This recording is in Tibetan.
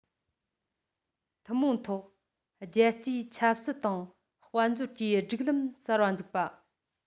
ཐུན མོང ཐོག རྒྱལ སྤྱིའི ཆབ སྲིད དང དཔལ འབྱོར གྱི སྒྲིག ལམ གསར པ འཛུགས པ